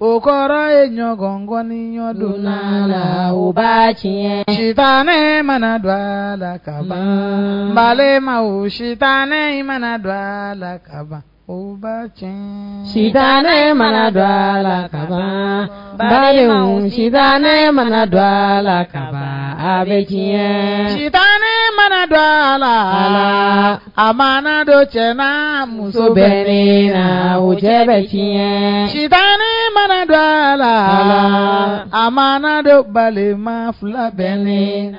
o kɔrɔ ye ɲɔgɔn ŋɔni ɲɔgɔndon la la u ba tiɲɛ mana dɔ a la kalan balima wo sita ne mana dɔ a la ka o ba cɛ sita ne mana dɔ la kalan bali si ne mana dɔ a la ka bɛ diɲɛ sita ne mana dɔ a la a ma dɔ cɛ muso bɛ la wo cɛ bɛ sita ne mana dɔ la a ma don balima fila bɛ ne